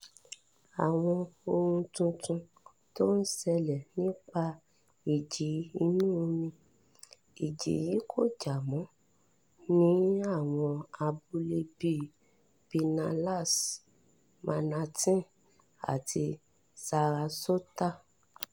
Àwọn ohun tuntun tó ń ṣẹlẹ̀ nípa ìjì inú omi: Ìjì yí kò jà mọ́ ní àwọn abúlé bíi Pinellas, Manatee àti Sarasota